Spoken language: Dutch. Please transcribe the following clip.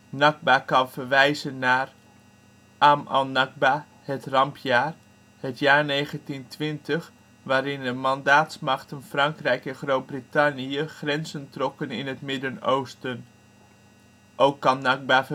Nakba kan verwijzen naar: Am al-Nakba (' het rampjaar '), het jaar 1920, waarin de mandaatsmachten Frankrijk en Groot-Brittannië grenzen trokken in het Midden-Oosten Al-Nakba